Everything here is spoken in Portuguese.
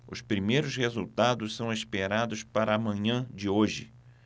os primeiros resultados são esperados para a manhã de hoje